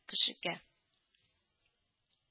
Кешегә